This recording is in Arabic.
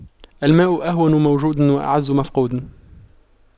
الماء أهون موجود وأعز مفقود